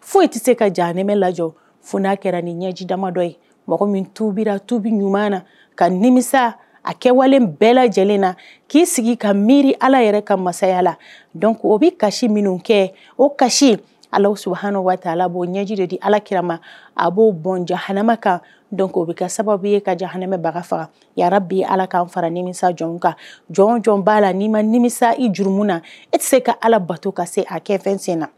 Foyi tɛ se ka ja nemɛ lajɔ f n'a kɛra ni ɲɛji damadɔ ye mɔgɔ min tuubira tubi ɲuman na ka nimisa a kɛwalelen bɛɛ lajɛlen na k'i sigi ka miiri ala yɛrɛ ka masaya la o bɛ kasi minnu kɛ o kasi ala su ha waati ala'o ɲɛji de di alakirama a b'o bɔn ja hama kan dɔn bɛ ka sababu' e ka ja hamɛbaga faga yara b' ala ka fara nimisa jɔn kan jɔnɔn b'a la ni ma nimisa i juru min na e tɛ se ka ala bato ka se a kɛ fɛnsen na